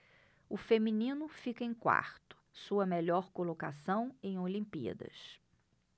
o feminino fica em quarto sua melhor colocação em olimpíadas